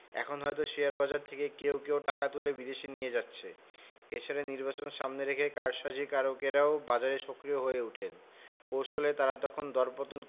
এখন হয়তো শেয়ারবাজার থেকে কেউ কেউ টাকা তুলে বিদেশে নিয়ে যাচ্ছে এ ছাড়া নির্বাচন সামনে রেখে কারসাজিকারকেরাও বাজারে সক্রিয় হয়ে ওঠেন কৌশলে তাঁরা তখন দরপতন